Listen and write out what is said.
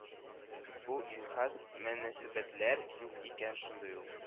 Бу илхас мөнәсәбәтләр юк икән, шундый ук